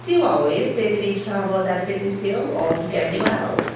Duw â wyr be fyddwn ni'n trafod erbyn dydd Sul ond gewn ni weld.